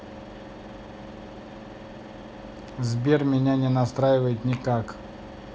сбер меня не настраивает никак